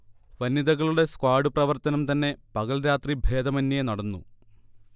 വനിതകളുടെ സ്ക്വാഡ് പ്രവർത്തനം തന്നെ പകൽരാത്രി ദേഭമേന്യേ നടന്നു